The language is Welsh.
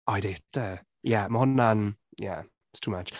Oh, I’d hate it, yeah. Mae hwnna’n... yeah, it’s too much.